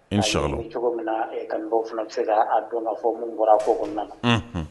,Cogo min na i kanubaw fana bɛ se ka dɔn ka fɔ ku bɔra kow kɔnɔ na